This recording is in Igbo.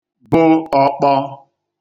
bụ ọ̄kpọ̄